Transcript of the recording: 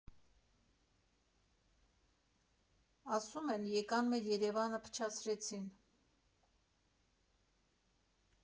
Ասում են՝ «եկան, մեր Երևանը փչացրեցին»։